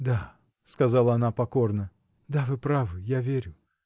— Да, — сказала она покорно, — да, вы правы, я верю.